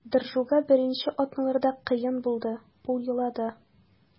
Доржуга беренче атналарда кыен булды, ул елады.